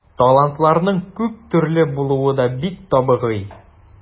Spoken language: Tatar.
Талантларның күп төрле булуы да бик табигый.